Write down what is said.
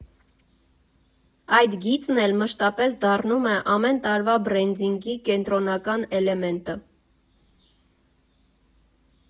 Այդ գիծն էլ մշտապես դառնում է ամեն տարվա բրենդինգի կենտրոնական էլեմենտը։